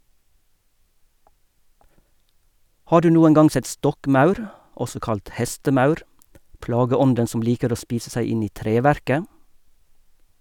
Har du noen gang sett stokkmaur , også kalt hestemaur, plageånden som liker å spise seg inn i treverket?